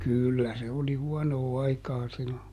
kyllä se oli huonoa aikaa silloin